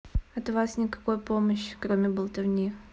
от вас никакой помощи кроме болтовни